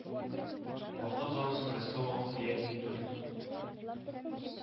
Вакыт зонасы Мәскәү вакыты яки дүрт